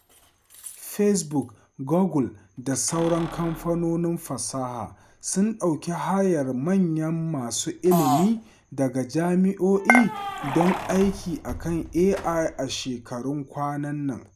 Facebook, Google da sauran kamfanonin fasaha sun ɗauki hayar manyan masu ilmi daga jami’o’i don aiki a kan AI a shekarun kwana nan.